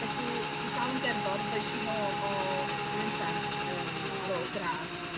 Felly dwi dal yn gerddor ddoes i nôl o Lundan yym ar ôl y gradd.